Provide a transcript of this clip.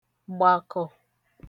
gbàkọ̀